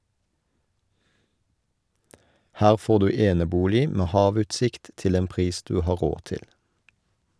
Her får du enebolig med havutsikt til en pris du har råd til.